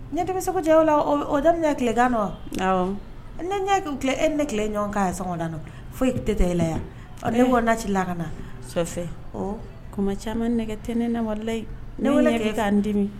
N ɲɛ tɛ segu ja la o daminɛmin tilekan nɔ wa ne ɲɛ e ne ɲɔgɔn kan sanda foyi tɛ tɛ e yan ko na ci la ka na kuma caman ne tɛ ne ne warila ne k' n dimi